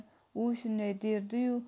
u shunday derdi yu